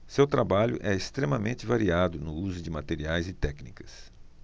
seu trabalho é extremamente variado no uso de materiais e técnicas